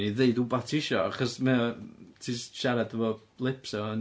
I ddweud rhywbeth ti isio, achos mae o... ti jyst siarad efo lips fo...